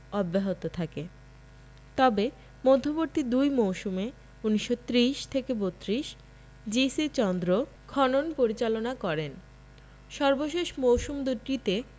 অব্যাহত থাকে তবে মধ্যবর্তী দুই মৌসুমে ১৯৩০ ৩২ জি.সি চন্দ্র খনন পরিচালনা করেন সর্বশেষ মৌসুম দুটিতে